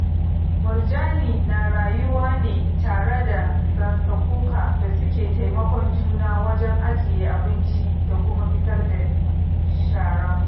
Murjani na rayuwa ne tare da gansakuka da suke taimakon juna wajen ajiye abinci da kuma fitar da shara.